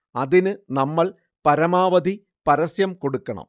അതിന് നമ്മൾ പരമാവധി പരസ്യം കൊടുക്കണം